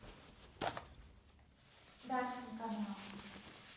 дашин канал